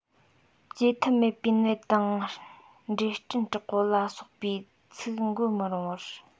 བཅོས ཐབས མེད པའི ནད དང འབྲས སྐྲན དྲག པོ ལ སོགས ཀྱི ཚིག བཀོལ མི རུང བར